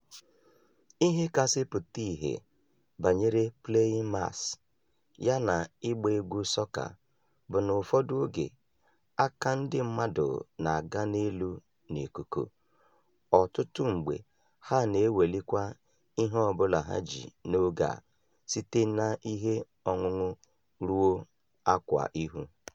Ihe kasị pụta ihe banyere "playing mas" yana ịgba egwu sọka bụ na n'ụfọdụ oge, aka ndị mmadụ na-aga n'elu n'ikuku, ọtụtụ mgbe ha na-ewelikwa ihe ọ bụla ha ji n'oge a, site n'ihe ọṅụṅụ ruo ákwà ihu.